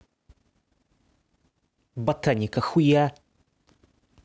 botanica хуя